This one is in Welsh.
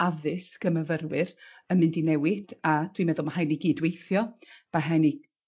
addysg y myfyrwyr yn mynd i newid a dwi'n meddwl ma' rhaid ni gydweithio. By' rhai' ni